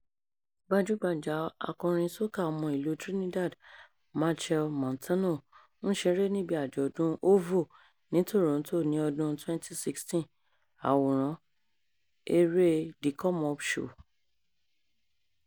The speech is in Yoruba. Gbajúgbajà akọrin soca ọmọ ìlú Trinidad Machel Montano ń ṣeré níbi Àjọ̀dún OVO ní Toronto ní ọdún 2016. ÀWÒRÁN: Eré The Come Up Show (CC BY-ND 2.0)